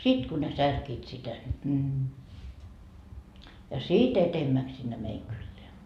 sitten kun ne särkivät sitä niin ja sitten edemmäksi sinne meidän kylään